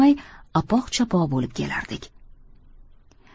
tushirmay apoq chapoq bo'lib kelardik